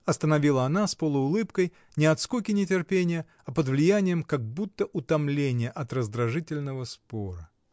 — остановила она с полуулыбкой, не от скуки нетерпения, а под влиянием как будто утомления от раздражительного спора.